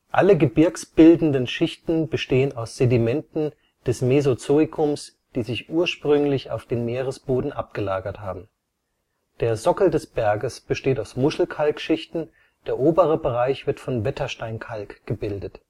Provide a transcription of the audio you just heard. Alle gebirgsbildenden Schichten bestehen aus Sedimenten des Mesozoikums, die sich ursprünglich auf dem Meeresboden abgelagert haben. Der Sockel des Berges besteht aus Muschelkalk-Schichten, der obere Bereich wird von Wettersteinkalk gebildet